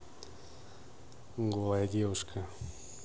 голая девушка